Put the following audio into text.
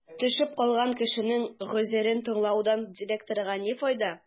Төшеп калган кешенең гозерен тыңлаудан директорга ни файда?